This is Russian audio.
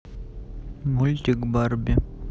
мультик барби